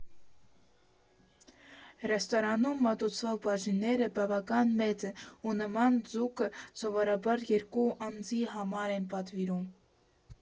Ռեստորանում մատուցվող բաժինները բավական մեծ են, ու նման ձուկը սովորաբար երկու անձի համար են պատվիրում։